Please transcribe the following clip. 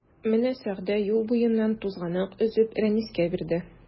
Менә Сәгъдә юл буеннан тузганак өзеп Рәнискә бирде.